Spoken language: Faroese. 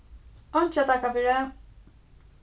einki at takka fyri